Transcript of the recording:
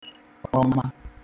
kọma